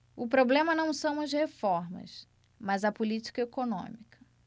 o problema não são as reformas mas a política econômica